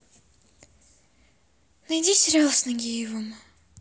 найди сериал с нагиевым